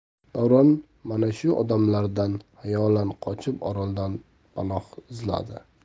davron mana shu odamlardan xayolan qochib oroldan panoh izladi